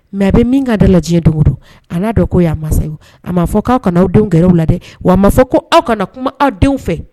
Mɛ bɛ min ka da lajɛ dugu don a'a dɔn ko ya'a mansa a ma fɔ aw kana aw denw kɛraw la dɛ wa a maa fɔ ko aw kana kuma aw denw fɛ